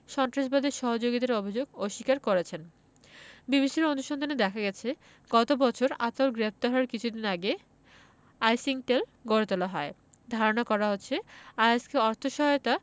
সন্ত্রাসবাদে সহযোগিতার অভিযোগ অস্বীকার করছেন বিবিসির অনুসন্ধানে দেখা গেছে গত বছর আতাউল গ্রেপ্তার হওয়ার কিছুদিন আগে আইসিংকটেল গড়ে তোলা হয় ধারণা করা হচ্ছে আইএস কে অর্থ সহায়তা